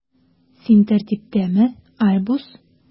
Син тәртиптәме, Альбус?